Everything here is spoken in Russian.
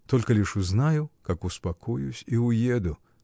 Только лишь узнаю, так успокоюсь и уеду!